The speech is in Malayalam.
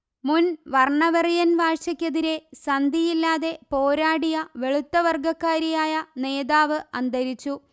മുൻവർണവെറിയൻവാഴ്ചക്കെതിരെ സന്ധിയില്ലാതെ പോരാടിയ വെളുത്ത വർഗക്കാരിയായ നേതാവ് അന്തരിച്ചു